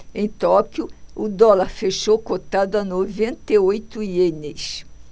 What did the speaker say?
em tóquio o dólar fechou cotado a noventa e oito ienes